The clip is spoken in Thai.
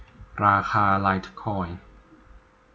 ราคาไลท์คอยน์